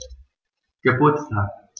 Geburtstag